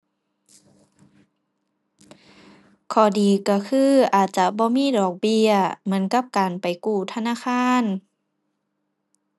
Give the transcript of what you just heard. ข้อดีก็คืออาจจะบ่มีดอกเบี้ยเหมือนกับการไปกู้ธนาคาร